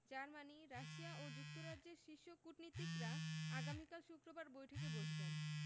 Germany Russia ও যুক্তরাজ্যের শীর্ষ কূটনীতিকরা আগামীকাল শুক্রবার বৈঠকে বসবেন